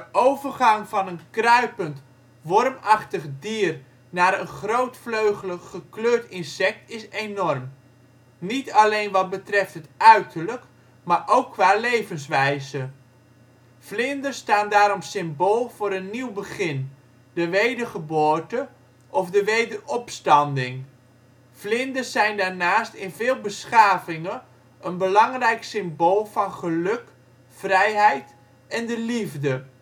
overgang van een kruipend, wormachtig dier naar een grootvleugelig gekleurd insect is enorm, niet alleen wat betreft het uiterlijk maar ook qua levenswijze. Vlinders staan daarom symbool voor een nieuw begin, de wedergeboorte of de wederopstanding. Vlinders zijn daarnaast in veel beschavingen een belangrijk symbool van geluk, vrijheid en de liefde